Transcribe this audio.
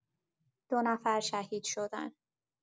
دو نفر شهید شدن.